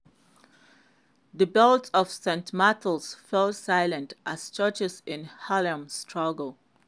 The Bells of St. Martin's Fall Silent as Churches in Harlem Struggle